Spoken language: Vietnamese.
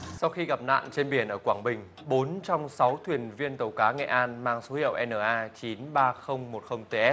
sau khi gặp nạn trên biển ở quảng bình bốn trong sáu thuyền viên tàu cá nghệ an mang số hiệu e nờ a chín ba không một không tê s